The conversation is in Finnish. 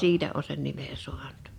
siitä on sen nimen saanut